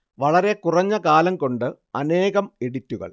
വളരെ കുറഞ്ഞ കാലം കൊണ്ട് അനേകം എഡിറ്റുകൾ